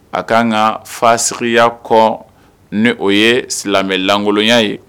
A kan ka fasiya kɔ ni o ye silamɛlankolonya ye